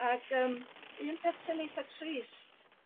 Ag yym un peth sy'n eitha trist